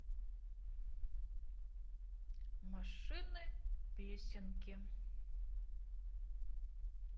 машины песенки